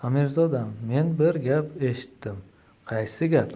amirzodam men bir gap eshitdim qaysi gap